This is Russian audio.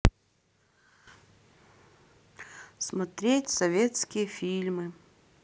смотреть советские фильмы